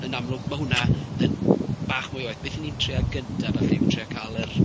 Yn amlwg ma' hwnna yn bach mwy o waith, beth 'y ni'n trial gynta falle yw trial cael yr...